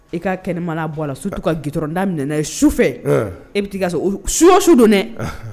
I ka kɛnɛma bɔ a la sutu ka g dɔrɔnda minɛɛna ye su fɛ e bɛ taa k'a sɔrɔ suyɔ su donɛ